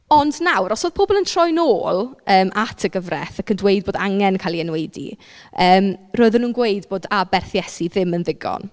Ond nawr os oedd pobl yn troi'n ôl yym at y gyfraith ac yn dweud bod angen cael ei enwedu yym roedden nhw'n gweud bod aberth Iesu ddim yn ddigon.